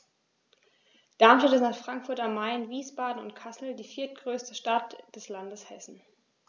Darmstadt ist nach Frankfurt am Main, Wiesbaden und Kassel die viertgrößte Stadt des Landes Hessen